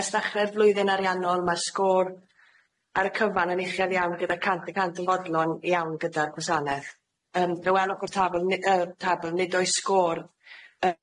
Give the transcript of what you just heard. Ers ddechre'r flwyddyn ariannol ma'r sgôr ar y cyfan yn uchel iawn gyda cant y cant yn fodlon iawn gyda'r gwasanaeth. Yym dyw enwog y tabl ni- yy tabl nid oes sgôr yy